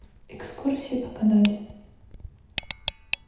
экскурсии по канаде